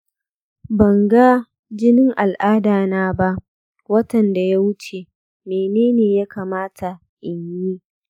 ban ga jinin al'ada na ba watan da ya wuce, mene yakamata inyi?